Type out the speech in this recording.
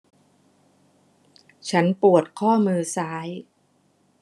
ฉันปวดข้อมือซ้าย